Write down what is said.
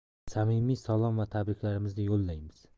samimiy salom va tabriklarimizni yo'llaymiz